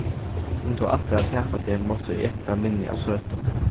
um tú ætlar at tapa teg mást tú eta minni av søtum